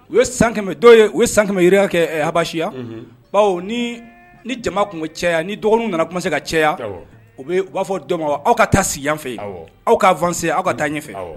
U ye san dɔw u ye san kɛmɛiririya kɛ habaya baw ni ni jama tun bɛ cɛya ni dɔgɔnin nana tun bɛ se ka cɛ yan u bɛ b'a fɔ dɔn aw ka taa si yan fɛ yen aw ka fan aw ka taa ɲɛ fɛ